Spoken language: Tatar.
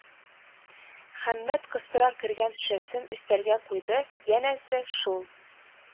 Хәммәт кыстыра кергән шешәсен өстәлгә куйды: янәсе, шул